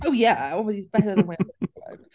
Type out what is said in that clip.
Oh yeah, obviously it's better than Wales and England.